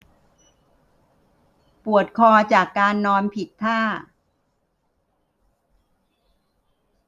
ปวดคอจากการนอนผิดท่า